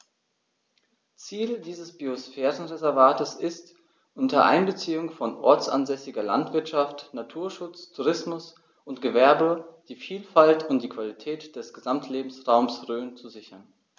Ziel dieses Biosphärenreservates ist, unter Einbeziehung von ortsansässiger Landwirtschaft, Naturschutz, Tourismus und Gewerbe die Vielfalt und die Qualität des Gesamtlebensraumes Rhön zu sichern.